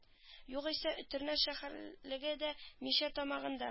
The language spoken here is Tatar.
Югыйсә өтернәс шәһәрлеге дә мишә тамагына